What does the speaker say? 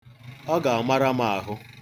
Ọ ga-amara m ahụ.